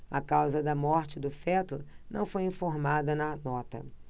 a causa da morte do feto não foi informada na nota